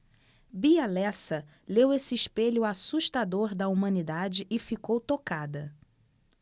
bia lessa leu esse espelho assustador da humanidade e ficou tocada